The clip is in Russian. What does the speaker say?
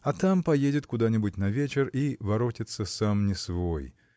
а там поедет куда-нибудь на вечер и воротится сам не свой